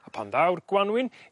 A pan ddaw'r Gwanwyn